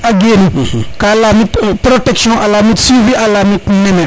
a genu ka lamit protection